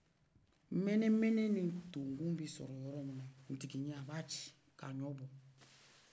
mɛnɛ mɛnɛ ni tonkun bɛ sɔrɔ yɔrɔ min tikiɲɛ a b'a ci ka ɲɔ bɔ